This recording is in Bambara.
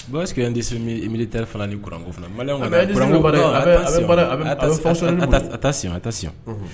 Oseke n dese min i milite fana ni kko taa a si